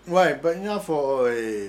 Wayi, ben n y'a fɔ ee